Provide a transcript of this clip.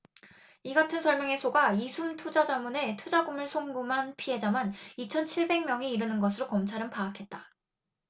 이 같은 설명에 속아 이숨투자자문에 투자금을 송금한 피해자만 이천 칠백 명이 이르는 것으로 검찰은 파악했다